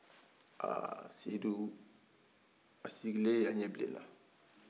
aha seydu a sigilen a ɲɛ bilennan